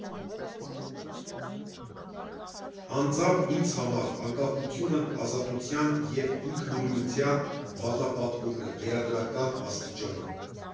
Անձամբ ինձ համար անկախությունն ազատության և ինքնուրույնության բազմապատկումն է, գերադրական աստիճանը։